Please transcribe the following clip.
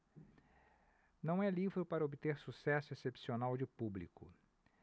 não é livro para obter sucesso excepcional de público